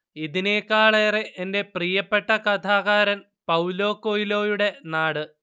ഇതിനേക്കാളേറെ എന്റെ പ്രിയപ്പെട്ട കഥാകാരൻ പൌലോ കൊയ്ലോയുടെ നാട്